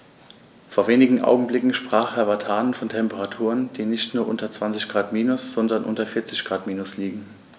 Vor wenigen Augenblicken sprach Herr Vatanen von Temperaturen, die nicht nur unter 20 Grad minus, sondern unter 40 Grad minus liegen.